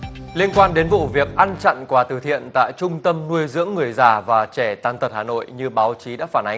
liên quan đến vụ việc ăn chặn quà từ thiện tại trung tâm nuôi dưỡng người già và trẻ tàn tật hà nội như báo chí đã phản ánh